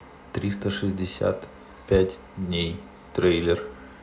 триста шестьдесят пять дней трейлер